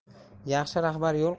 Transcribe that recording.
yaxshi rahbar yo'l qurar